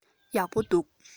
ཡག པོ འདུག